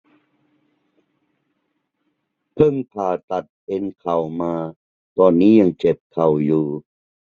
พึ่งผ่าตัดเอ็นเข่ามาตอนนี้ยังเจ็บเข่าอยู่